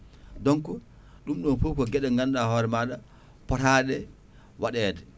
donc ɗum ɗon foof ko gueɗe ɗe ganduɗa hoore maɗa potaɗe waɗede